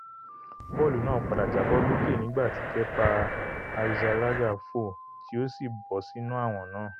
Bọ́ọ̀lù náà padà jábọ́ lókè nígbà tí Kepa Arrizalaga fò tí ó sì bọ́ sínu àwọ̀n náà.